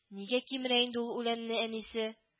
Нигә кимерә инде ул үләнне әнисе